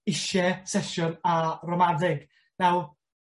isie sesiwn â ramadeg. Nawr